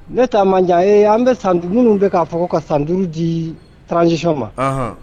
Ne ta man jan an bɛ san du minnu bɛ k'a fɔ ko ka san 5 di transition ma, anhan